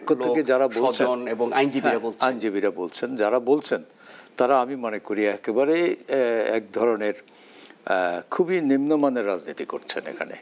লোক সজন আইনজীবীরা বলছেন আইনজীবীরা বলছেন যারা বলছেন আমি মনে করি একেবারে এক ধরনের খুবই নিম্নমানের রাজনীতি করছেন এখানে